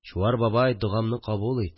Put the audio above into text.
Чуар бабай, догамны кабул ит